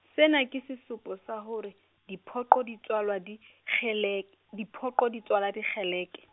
sena ke sesupo sa hore, diphoqo di tswalwa dikgelek-, diphoqo ditswala dikgeleke.